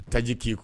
Taji k'i